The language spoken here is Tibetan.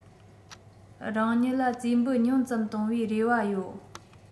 རང ཉིད ལ རྩིས འབུལ ཉུང ཙམ བའི རེ བ ཡོད